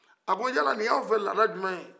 a ko yala ni ye aw fɛ yan lada jumɛ ye